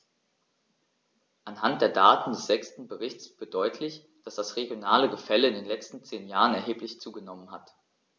Anhand der Daten des sechsten Berichts wird deutlich, dass das regionale Gefälle in den letzten zehn Jahren erheblich zugenommen hat.